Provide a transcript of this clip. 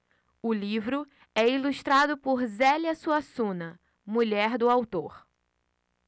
o livro é ilustrado por zélia suassuna mulher do autor